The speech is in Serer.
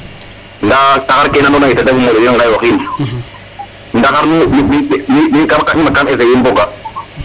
nda taxar ke ando naye ten refu moɗel in ngayoxin ndaxar nu mi kam ga mi mat kam essayer in bo ga